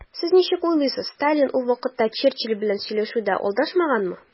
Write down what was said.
Сез ничек уйлыйсыз, Сталин ул вакытта Черчилль белән сөйләшүдә алдашмаганмы?